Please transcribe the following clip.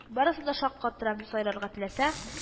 Барысын да шаккаттырам дип сайрарга теләсә